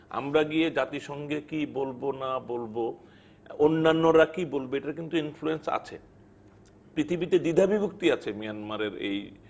আমরা গিয়ে জাতিসংঘে কি বলবো না বলবো অন্যান্যরা কি বলব এটা কিন্তু ইন্সুরেন্স আছে পৃথিবীতে দ্বিধাবিভক্তি আছে মিয়ানমারের এই